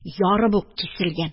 Ярып ук киселгән.